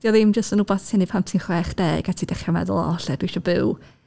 'Di o ddim jyst yn wbath ti'n wneud pan ti'n chwechdeg a ti'n dechrau meddwl "O, lle dwi eisiau byw?"